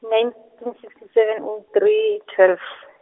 ninteen sixty seven oh three twelve .